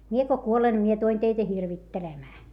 minä kun kuolen niin minä tulen teitä hirvittelemään